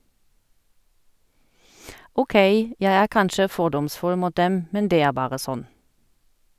Åkei, jeg er kanskje fordomsfull mot dem, men det er bare sånn.